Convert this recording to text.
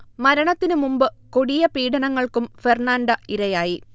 മരണത്തിന് മുമ്പ് കൊടിയ പീഢനങ്ങൾക്കും ഫെർണാണ്ട ഇരയായി